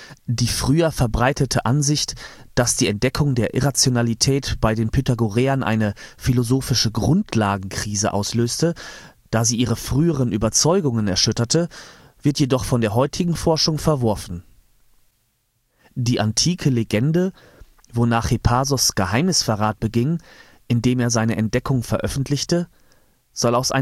Die früher verbreitete Ansicht, dass die Entdeckung der Irrationalität bei den Pythagoreern eine philosophische „ Grundlagenkrise “auslöste, da sie ihre früheren Überzeugungen erschütterte, wird jedoch von der heutigen Forschung verworfen. Die antike Legende, wonach Hippasos Geheimnisverrat beging, indem er seine Entdeckung veröffentlichte, soll aus